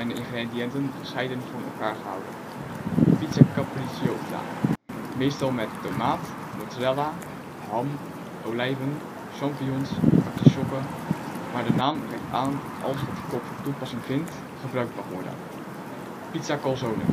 ingrediënten gescheiden van elkaar gehouden) Pizza Cappriciosa (meestal tomaat, mozzarella, ham, olijven, champignons, artisjokken maar de naam geeft aan dat alles wat de kok van toepassing vindt, gebruikt mag worden) Pizza Calzone